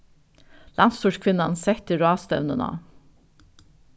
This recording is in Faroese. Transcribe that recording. landsstýriskvinnan setti ráðstevnuna